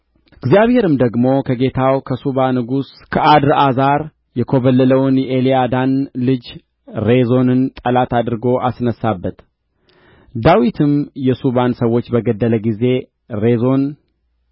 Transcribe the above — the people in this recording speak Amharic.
እግዚአብሔርም ደግሞ ከጌታው ከሱባ ንጉሥ ከአድርአዛር የኰበለለውን የኤልያዳን ልጅ ሬዞንን ጠላት አድርጎ አስነሣበት ዳዊትም የሱባን ሰዎች በገደለ ጊዜ ሬዞን